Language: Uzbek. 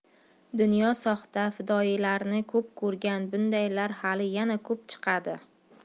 dunyo soxta fidoyilarni ko'p ko'rgan bundaylar hali yana ko'p chiqadi